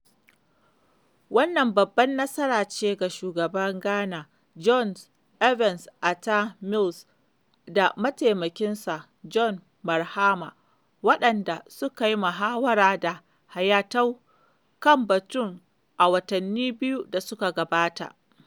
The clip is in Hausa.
Wannan babbar nasara ce ga shugaban Ghana John Evans Atta Mills da mataimakinsa John Mahama waɗanda, suka yi muhawara da Hayatou kan batun a watanni biyu da suka gabata.